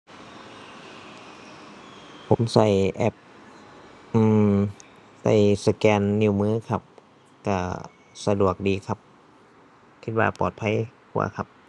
ผมใช้แอป อือ ใช้สแกนนิ้วมือครับ ใช้สะดวกดีครับ คิดว่าปลอดภัยกว่าครับ